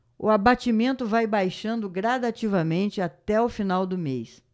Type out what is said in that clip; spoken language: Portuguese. o abatimento vai baixando gradativamente até o final do mês